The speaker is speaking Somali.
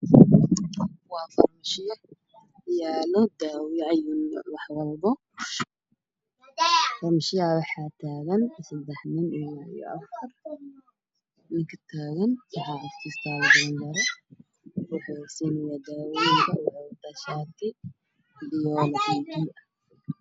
Waa pharmacy yaalo daawo waxaa hortiisa taagan nin dhalin yaro ah